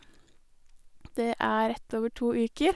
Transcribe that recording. Det er rett over to uker.